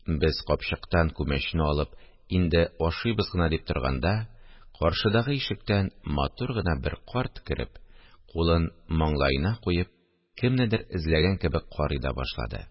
Без капчыктан күмәчне алып, инде ашыйбыз гына дип торганда, каршыдагы ишектән матур гына бер карт кереп, кулын маңлаена куеп, кемнедер эзләгән кебек карый да башлады